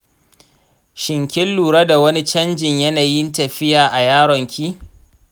shin kin lura da wani canjin yanayin tafiya a yaron ki?